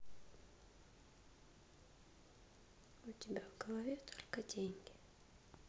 у тебя в голове только деньги